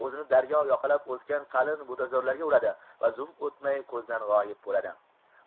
o'zini daryo yoqalab o'sgan qalin butazorlarga uradi va zum o'tmay ko'zdan g'oyib bo'ladi